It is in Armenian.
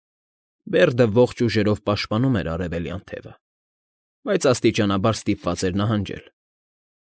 Բերդը ողջ ուժերով պաշտպանում էր արևելյան թևը, բայց աստիճանաբար ստիպված էր նահանջել։